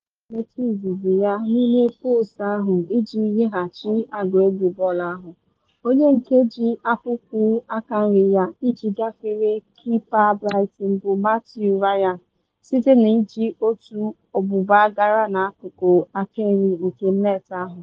Nwa Bekee ahụ jiri mmetụ izizi ya n’ime bọksị ahụ iji nyeghachi Aguero bọọlụ ahụ, onye nke ji akpụkpụ ụkwụ akanri ya iji gafere kipa Brighton bụ Mathew Ryan site na iji otu ọgbụgba gara n’akụkụ akanri nke net ahụ.